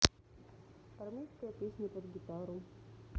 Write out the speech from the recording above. армейская песня под гитару